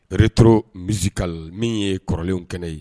Retro musical ye kɔrɔlenw kɛnɛ ye.